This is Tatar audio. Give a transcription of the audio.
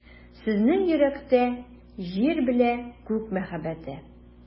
Сезнең йөрәктә — Җир белә Күк мәхәббәте.